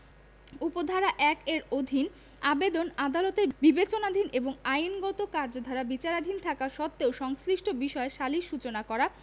উপ ধারা ১ এর অধীন আবেদন আদালতের বিবেচনাধীন এবং আইনগত কার্যধারা বিচারাধীন থাকা সত্ত্বেও সংশ্লিষ্ট বিষয়ে সালিস সূচনা করা